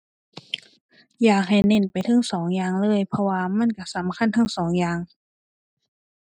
อยากให้เน้นไปเทิงสองอย่างเลย เพราะว่ามันก็สำคัญทั้งสองอย่าง